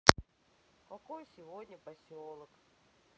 какой сегодня поселок